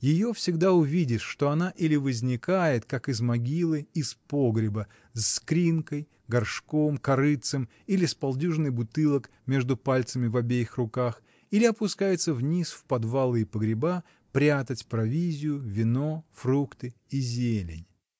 Ее всегда увидишь, что она или возникает, как из могилы, из погреба, с кринкой, горшком, корытцем или с полдюжиной бутылок между пальцами в обеих руках, или опускается вниз, в подвалы и погреба, прятать провизию, вино, фрукты и зелень.